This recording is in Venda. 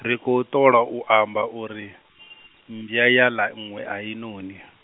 ri khou tholo u amba uri , mmbwa ya ḽa iṅwe a i noni.